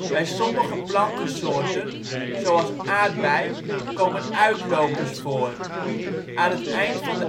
Bij sommige plantensoorten, zoals aardbei, komen uitlopers voor. Aan het eind van